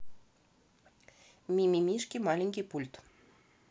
мимимишки маленький пульт